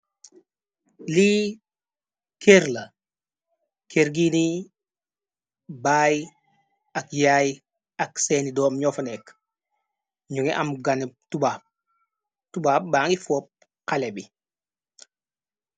Lii kërla kër giini di deh baay ak yaaye ak seeni doom ñofanekk ñyu ngi am gani tubab, tubab ba ngi fopp xaleh bi.